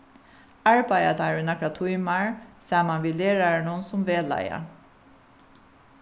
arbeiða teir í nakrar tímar saman við lærarunum sum vegleiða